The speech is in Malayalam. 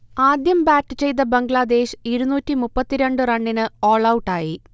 ആദ്യം ബാറ്റ് ചെയ്ത ബംഗ്ലാദേശ് ഇരുന്നൂറ്റി മുപ്പത്തിരണ്ട് റണ്ണിന് ഓൾഔട്ടായി